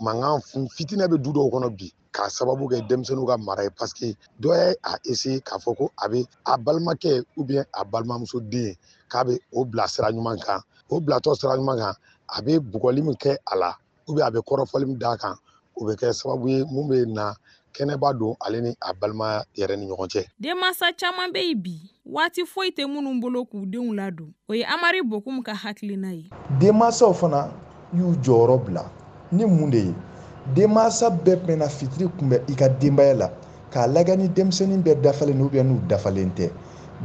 Makan f fitinɛ bɛ du o kɔnɔ bi kaa sababu kɛ denmisɛnninw ka mara ye paseke dɔw'se k'a fɔ ko a bɛ a balimakɛ u bɛ a balimamusoden ye k'a bɛ o bila sira ɲuman kan o bilatɔ sira ɲuman kan a bɛ bugɔli min kɛ a la u a bɛ kɔrɔfɔli min d da a kan o bɛ kɛ sababu minnu bɛ na kɛnɛba don ale ni a balimaya yɛrɛ ni ɲɔgɔn cɛ denman caman bɛ yen bi waati foyi tɛ minnu bolo k'u denw la don o ye amaduri bɔk ka hakiliinaa ye denmanw fana y'u jɔyɔrɔ bila ni mun de ye denman bɛɛ bɛna fitiri tun bɛ i ka denbaya la'a la ni denmisɛnnin bɛ dafa' bɛ n'u dafalen tɛ